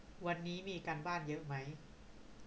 วันนี้มีการบ้านเยอะไหม